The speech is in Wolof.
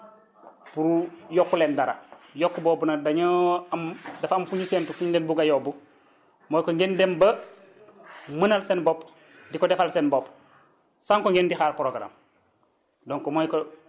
dafa ñëw pour yokk leen dara yokk boobu nag dañoo am dafa am fu ñu séntu fuñ leen bugg a yóbbu mooy que ngeen dem ba mënal seen bopp di ko defal seen bopp sans que ngeen di xaar programme